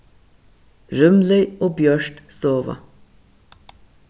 rúmlig og bjørt stova